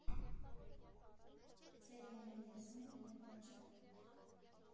Տերյանի լեզուն և ոճը։